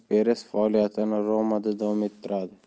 peres faoliyatini roma da davom ettiradi